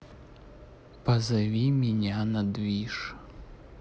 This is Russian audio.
позови меня на движ